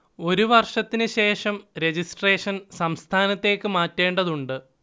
ഒരു വർഷത്തിന് ശേഷം രജിസ്ഷ്രേൻ സംസ്ഥാനത്തേക്ക് മാറ്റേണ്ടതുണ്ട്